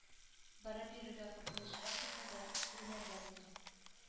Барып йөрергә куркынычрак булса да күнәргә булдык